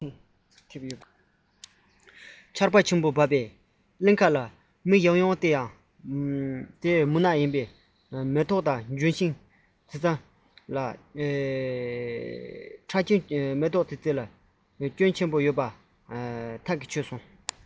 དྲག ཆར གྱི ཁྲོད དུ གླིང གར ཕྱིར མིག ཡང ཡང འཕངས མུན ནག ལས ཅི ཡང མི མཐོང གཡུ ཡི ལྗོན ཤིང དང མེ ཏོག གི ཕྲ རྒྱན ཉམས ཆག ཚབས ཆེན ཐེབས ཡོད པ ཐག གིས ཆོད